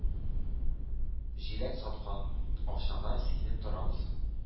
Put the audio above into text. Җиләк саткан акчага сөенеп торабыз.